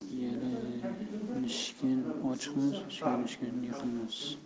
yalanishgan ochiqmas suyanishgan yiqilmas